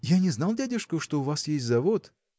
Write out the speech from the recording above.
– Я не знал, дядюшка, что у вас есть завод.